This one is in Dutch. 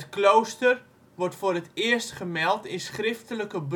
klooster wordt voor het eerst gemeld in schriftelijke